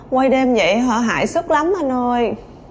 quay đêm vậy hại sức lắm anh ơi